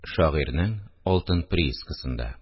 ШАГЫЙРЬНЕҢ АЛТЫН ПРИИСКАСЫНДА